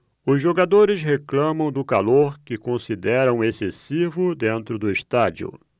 os jogadores reclamam do calor que consideram excessivo dentro do estádio